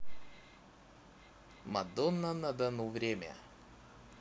madonna на дону время